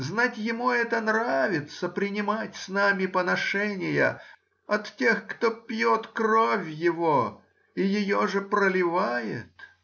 Знать ему это нравится принимать с нами поношения от тех, кто пьет кровь его и ее же проливает.